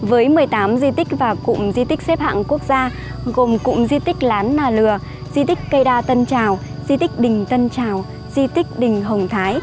với di tích và cụm di tích xếp hạng quốc gia gồm cụm di tích nán là nừa di tích cây đa tân trào di tích đình tân trào di tích đình hồng thái